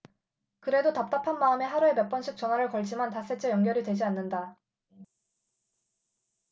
그래도 답답한 마음에 하루에 몇 번씩 전화를 걸지만 닷새째 연결이 되지 않는다